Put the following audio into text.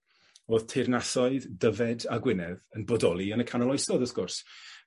Odd teyrnasoedd Dyfed a Gwynedd yn bodoli yn y canol oesoedd wrth gwrs